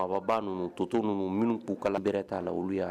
Baba b'a ninnu toto ninnu minnu k'u kala bɛɛrɛ t' la olu